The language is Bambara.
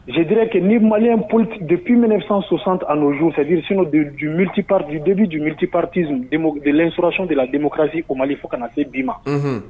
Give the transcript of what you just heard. Zedieke ni maliy polite depmsansosan anij7jiriso de jutipti debi jubitipriti desɔrɔsion de la denmisɛnmusi o malili fo kana na se d ma